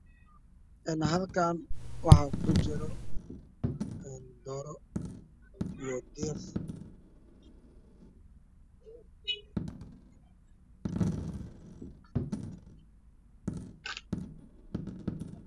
een halkaan waxaa ku jiro doors iyo